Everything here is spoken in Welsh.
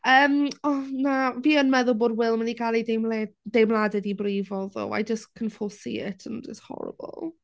Yym. O na, fi yn meddwl bod Will yn mynd i cael ei deimle- deimladau 'di brifo ddo. I just can foresee it and it's horrible.